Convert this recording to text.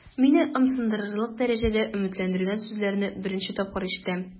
Мине ымсындырырлык дәрәҗәдә өметләндергән сүзләрне беренче тапкыр ишетәм.